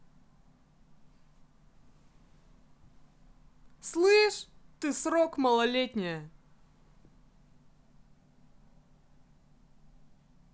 слышь ты срок малолетняя